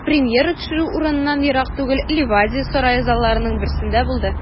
Премьера төшерү урыныннан ерак түгел, Ливадия сарае залларының берсендә булды.